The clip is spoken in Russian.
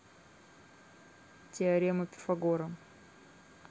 тиарема пифагора